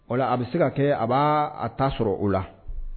A bɛ se ka kɛ a b'a a taa sɔrɔ o la